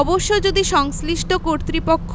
অবশ্য যদি সংশ্লিষ্ট কর্তৃপক্ষ